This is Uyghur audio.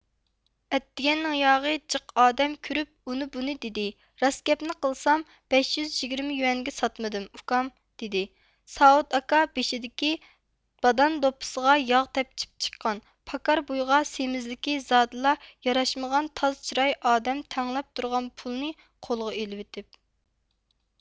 ئەتىگەننىڭياقى جېق ئادەم كۆرۈپ ئۇنى بۇنى دېدى راست گەپنى قىلسام بەش يۈز يىگىرمە يۈەنگە ساتمىدىم ئۇكام دىدى ساۋۇت ئاكا بېشىدىكى بادام دوپپىسىغا ياغ تەپچىپ چىققان پاكار بويىغا سېمىزلىكى زادىلا ياراشمىغان تاز چىراي ئادەم تەڭلەپ تۇرغان پۇلنى قولىغا ئېلىۋېتىپ